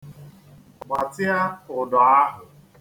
Gbatịa ụdọ ahụ.